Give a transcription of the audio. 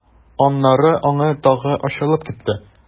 Аннары аңы тагы ачылып китте.